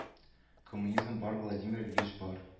Коммунизм бар владимир ильич бар